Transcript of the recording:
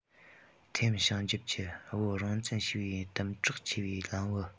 ཐེམ བྱང རྒྱབ ཀྱི བོད རང བཙན ཞེས པའི གཏུམ དྲག ཆེ བའི ལམ བུ